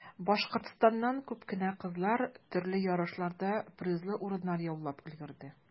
Башкортстаннан күп кенә кызлар төрле ярышларда призлы урыннар яулап өлгерде.